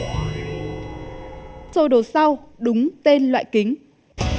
sơ đồ sau đúng tên loại kính